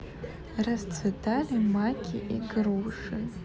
расцветали маки игруши